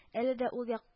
Әле дә ул як